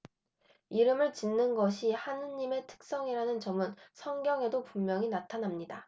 이름을 짓는 것이 하느님의 특성이라는 점은 성경에서도 분명히 나타납니다